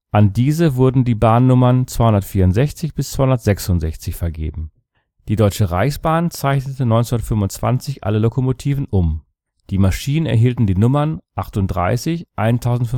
An diese wurden die Bahnnummern 264 bis 266 vergeben. Die Deutsche Reichsbahn zeichnete 1925 alle Lokomotiven um. Die Maschinen erhielten die Nummern 38 1573-1575